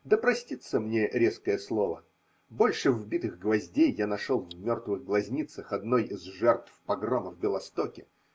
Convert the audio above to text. Да простится мне резкое слово: больше вбитых гвоздей я нашел в мертвых глазницах одной из жертв погрома в Белостоке.